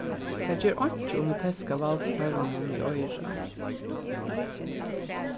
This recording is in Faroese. tað ger einki um vit teska valdsharrunum í oyrað